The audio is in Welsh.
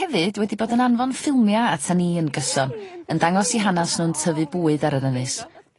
...hefyd wedi bod yn anfon ffilmia' atan ni yn gyson yn dangos 'u hanas nw'n tyfu bwyd ar yr ynys.